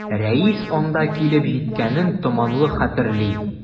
Рәис анда килеп җиткәнен томанлы хәтерли.